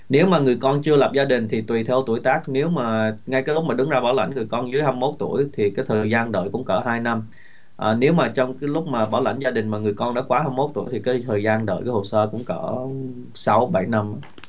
nếu mà người con chưa lập gia đình thì tùy theo tuổi tác nếu mà ngay cái lúc mà đứng ra bảo lãnh người con dưới hai mốt tuổi thì cái thời gian đợi cũng cỡ hai năm ờ nếu mà trong cái lúc mà bảo lãnh gia đình mà người con đã quá hai mốt tuổi thì cái thời gian đợi cái hồ sơ cũng cỡ sáu bảy năm